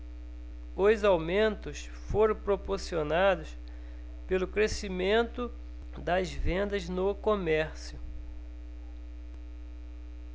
os aumentos foram proporcionados pelo crescimento das vendas no comércio